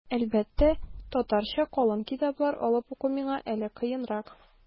Әлбәттә, татарча калын китаплар алып уку миңа әле кыенрак.